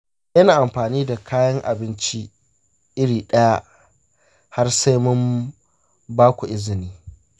ki daina amfani da kayan abinci iri daya harsai mun baku izini.